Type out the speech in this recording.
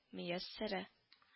Мияссәрә